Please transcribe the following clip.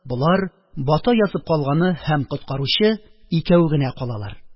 Болар – бата язып калганы һәм коткаручы – икәве генә калалар.